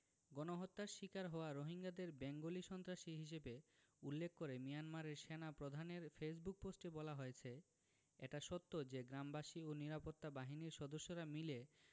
গণহত্যার শিকার হওয়া রোহিঙ্গাদের বেঙ্গলি সন্ত্রাসী হিসেবে উল্লেখ করে মিয়ানমারের সেনাপ্রধানের ফেসবুক পোস্টে বলা হয়েছে এটা সত্য যে গ্রামবাসী ও নিরাপত্তা বাহিনীর সদস্যরা মিলে